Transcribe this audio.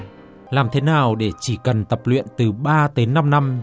làm thế nào để chỉ cần tập luyện từ ba tới năm năm